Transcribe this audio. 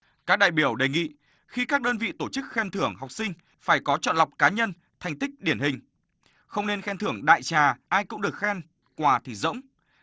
các đại biểu đề nghị khi các đơn vị tổ chức khen thưởng học sinh phải có chọn lọc cá nhân thành tích điển hình không nên khen thưởng đại trà ai cũng được khen quà thì rỗng